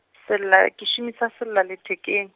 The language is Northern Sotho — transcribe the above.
sella-, ke šomiša sella- lethekeng.